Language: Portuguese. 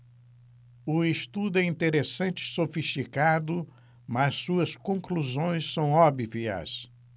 o estudo é interessante e sofisticado mas suas conclusões são óbvias